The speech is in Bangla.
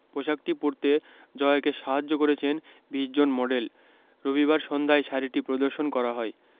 পোশাকটি পরতে জয়াকে সাহায্য করেছেন ২০ জন মডেল রবিবার সন্ধ্যায় শাড়িটি প্রদর্শন করা হয়